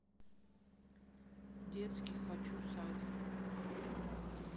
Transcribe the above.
детский хочу садик